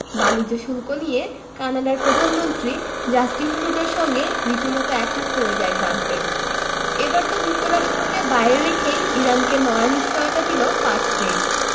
বাণিজ্য শুল্ক নিয়ে কানাডার প্রধানমন্ত্রী জাস্টিন ট্রুডোর সঙ্গে রীতিমতো একহাত হয়ে যায় ট্রাম্পের এবার তো যুক্তরাষ্ট্রকে বাইরে রেখেই ইরানকে নয়া নিশ্চয়তা দিল পাঁচ দেশ